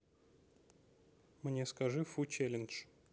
мне скажи фу челлендж